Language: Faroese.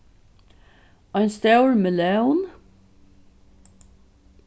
ein stór melón